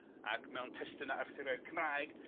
Ac mewn testuna Arthuraidd Cymraeg...